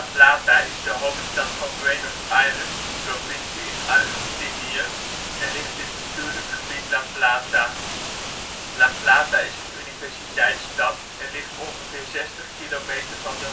Plata is de hoofdstad van Buenos Aires, een provincie in Argentinië, en ligt in bestuurlijk gebied La Plata. La Plata is een universiteitsstad en ligt ongeveer zestig kilometer van de